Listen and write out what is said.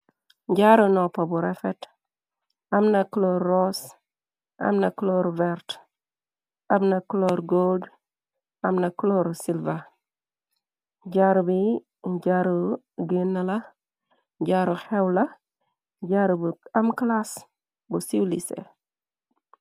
Jaaru noppa bu refet amna colore ross amna color verte amna colore gold amna colore sylver jaru biy njaru ginn la njaaru xew la jaaru bu am claas bu siiw lice.